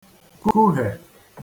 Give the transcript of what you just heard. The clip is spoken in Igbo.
kụghè